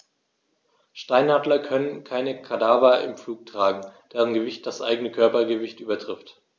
Steinadler können keine Kadaver im Flug tragen, deren Gewicht das eigene Körpergewicht übertrifft.